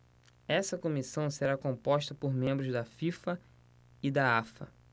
essa comissão será composta por membros da fifa e da afa